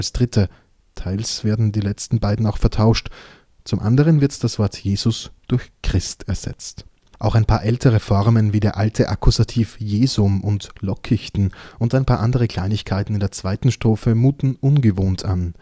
dritte – teils werden die letzten beiden auch vertauscht; zum anderen wird das Wort „ Jesus “durch „ Christ “ersetzt. Auch ein paar ältere Formen, wie der alte Akkusativ Jesum und lockigten und ein paar andere Kleinigkeiten in der zweiten Strophe muten ungewohnt an